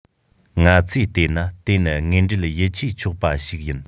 ང ཚོས བལྟས ན དེ ནི དངོས འབྲེལ ཡིད ཆེས ཆོག པ ཞིག ཡིན